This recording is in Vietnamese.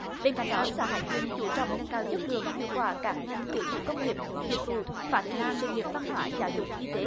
bên cạnh đó xã hải dương chú trọng nâng cao chất lượng hiệu quả các ngành tiểu thủ công nghiệp dịch vụ phát triển sự nghiệp văn hóa giáo dục y tế